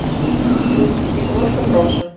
мультики кроша проша